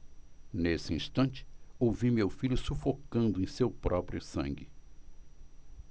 nesse instante ouvi meu filho sufocando em seu próprio sangue